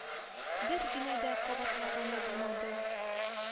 Бер генә дә кабатлаганы булмады.